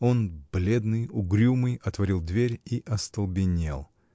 Он, бледный, угрюмый, отворил дверь и остолбенел.